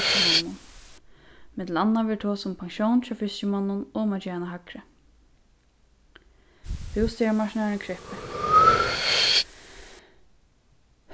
fiskimonnunum millum annað verður tosað um pensjón hjá fiskimonnum og um at gera hana hægri bústaðarmarknaðurin í kreppu